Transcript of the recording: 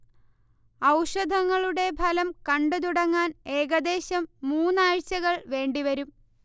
ഔഷധങ്ങളുടെ ഫലം കണ്ടുതുടങ്ങാൻ ഏകദേശം മൂന്നാഴ്ചകൾ വേണ്ടിവരും